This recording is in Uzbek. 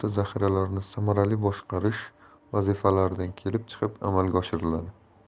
zaxiralarini samarali boshqarish vazifalaridan kelib chiqib amalga oshiriladi